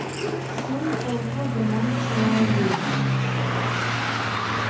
husn xulqi bilan chiroyli